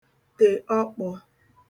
tè ọkpọ̄